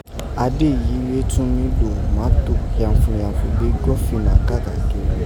Ade yii rèé tọ́n mí lò mátò yafunyafun bii gofina kaakiri.